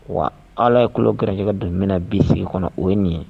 Wa ala ye kolon garanjɛgɛ don min bin sigi kɔnɔ o ye nin ye